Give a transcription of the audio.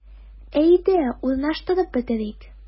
Әйдә, урнаштырып бетерик.